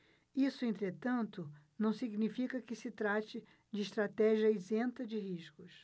isso entretanto não significa que se trate de estratégia isenta de riscos